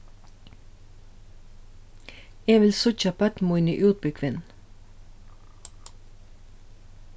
eg vil síggja børn míni útbúgvin